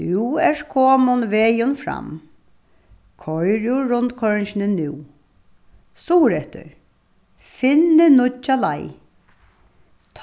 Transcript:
tú ert komin vegin fram koyr úr rundkoyringini nú suðureftir finni nýggja leið